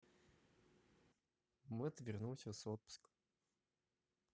mad вернулся с отпуска